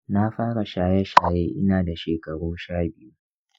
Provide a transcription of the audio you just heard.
na fara shaye shaye ina da shekaru sha biyu.